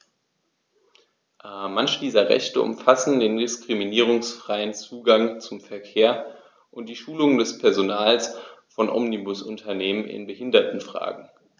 Manche dieser Rechte umfassen den diskriminierungsfreien Zugang zum Verkehr und die Schulung des Personals von Omnibusunternehmen in Behindertenfragen.